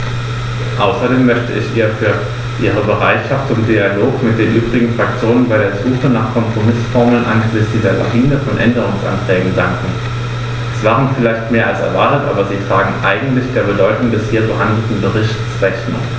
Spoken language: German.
Außerdem möchte ich ihr für ihre Bereitschaft zum Dialog mit den übrigen Fraktionen bei der Suche nach Kompromißformeln angesichts dieser Lawine von Änderungsanträgen danken; es waren vielleicht mehr als erwartet, aber sie tragen eigentlich der Bedeutung des hier behandelten Berichts Rechnung.